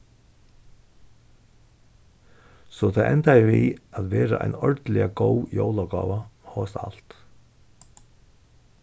so tað endaði við at vera ein ordiliga góð jólagáva hóast alt